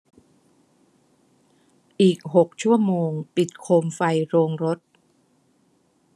อีกหกชั่วโมงปิดโคมไฟโรงรถ